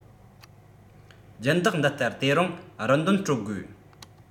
སྦྱིན བདག འདི ལྟར དེ རིང རིན དོད སྤྲོད དགོས